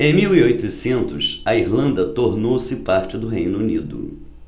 em mil e oitocentos a irlanda tornou-se parte do reino unido